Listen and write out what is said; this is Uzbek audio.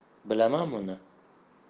bilaman buni